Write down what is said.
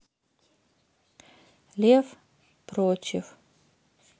лев против